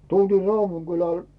tultiin Raudun kylälle